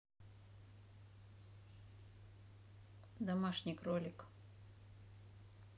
домашний кролик